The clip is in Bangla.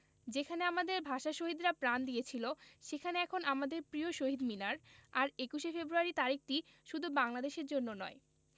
যেখানে আমাদের ভাষাশহীদরা প্রাণ দিয়েছিল সেখানে এখন আমাদের প্রিয় শহীদ মিনার আর ২১শে ফেব্রয়ারি তারিখটি শুধু বাংলাদেশের জন্য নয়